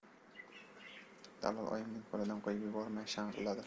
dallol oyimning qo'lini qo'yib yubormay shang'illadi